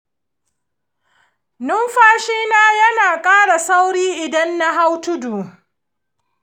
numfashi na yana ƙara sauri idan na hau tudu.